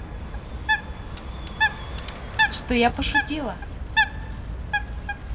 что я пошутила